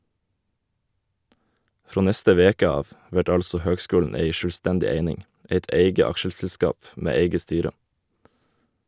Frå neste veke av vert altså høgskulen ei sjølvstendig eining, eit eige aksjeselskap med eige styre.